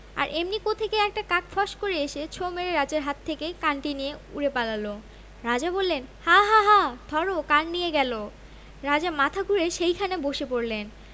আর অমনি কোত্থেকে একটা কাক ফস্ করে এসে ছোঁ মেরে রাজার হাত থেকে কানটি নিয়ে উড়ে পালাল রাজা বললেন হাঁ হাঁ হাঁ ধরো কাক কান নিয়ে গেল রাজা মাথা ঘুরে সেইখানে বসে পড়লেন